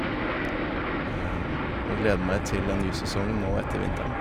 Og gleder meg til en ny sesong nå etter vinteren.